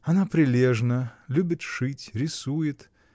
Она прилежна, любит шить, рисует.